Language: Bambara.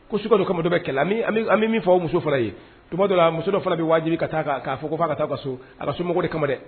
Ko sudo kamadɔ bɛ bɛ min fɔ o muso fɔlɔ ye tuma dɔ muso dɔ fana bɛ wajibi ka taa k'a fɔ ko fɔ' ka taa ka so ara somo kama dɛ